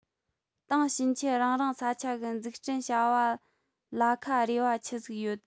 དེང ཕྱིན ཆད རང རང ས ཆ གི འཛུགས སྐྲུན བྱ བ ལ ཁ རེ བ ཆི ཟིག ཡོད